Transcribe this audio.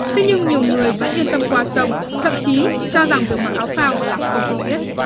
thế nhưng nhiều người vẫn yên tâm qua sông thậm chí cho rằng việc mặc áo phao là không cần thiết